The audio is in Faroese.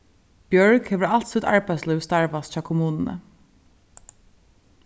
bjørg hevur alt sítt arbeiðslív starvast hjá kommununi